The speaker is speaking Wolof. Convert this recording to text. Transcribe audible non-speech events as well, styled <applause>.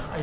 <hesitation> <hesitation>